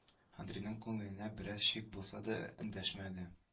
Андрейның күңелендә бераз шик булса да эндәшмәде